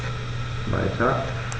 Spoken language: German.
Weiter.